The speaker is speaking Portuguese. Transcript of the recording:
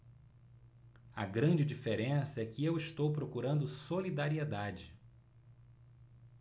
a grande diferença é que eu estou procurando solidariedade